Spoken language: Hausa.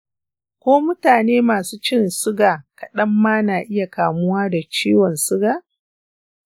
ko mutane masu cin suga kaɗan ma na iya kamuwa da ciwon suga.